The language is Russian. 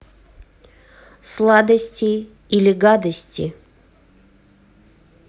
сладости или гадости